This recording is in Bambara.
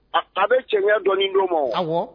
A a bɛ tiɲɛya dɔnɔnin don ma